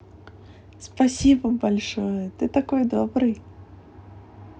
спасибо большое ты такой добрый